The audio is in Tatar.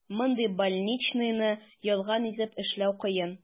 Мондый больничныйны ялган итеп эшләү кыен.